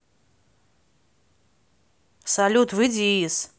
салют выйди из